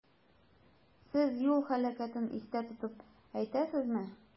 Сез юл һәлакәтен истә тотып әйтәсезме?